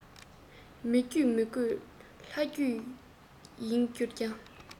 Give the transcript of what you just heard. མི རྒྱུད མི དགོས ལྷ རྒྱུད ཡིན གྱུར ཀྱང